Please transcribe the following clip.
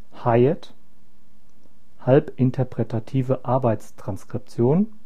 HIAT = halb-interpretative Arbeits-Transkription